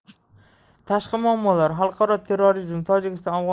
tashqi muammolar xalqaro terrorizm tojikiston